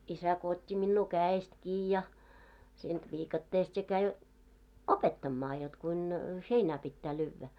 isä kun otti minua kädestä kiinni ja siitä viikatteesta ja kävi opettamaan jotta kuinka heinä pitää lyödä